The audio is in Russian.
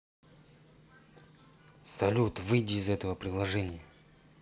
салют выйди из этого приложение